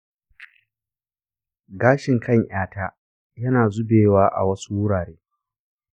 gashin kan 'yata yana zubewa a wasu wurare.